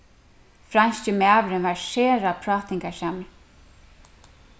franski maðurin var sera prátingarsamur